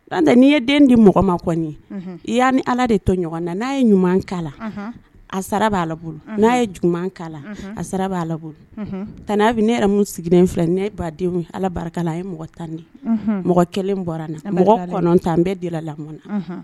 N'i ye den di mɔgɔ ma ye i' ni ala de tɔ ɲɔgɔn na n'a ye ɲuman kala a sara bɛ bolo n' ye kala a sara bɛ bolo tan ne yɛrɛ sigilen fila ne baden ye ala barika a ye mɔgɔ tanden mɔgɔ kelen bɔra na mɔgɔ kɔnɔntan n bɛɛ di lamɔɔnna